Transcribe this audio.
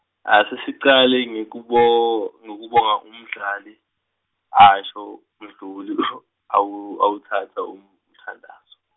ase sicale ngekubo-, ngekubonga uMdali, asho, Mdluli awutsatsa, umthandazo.